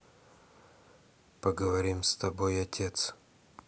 поговорим с тобой отец